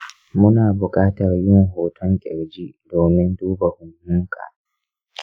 muna bukatar yin hoton ƙirji domin duba huhunka.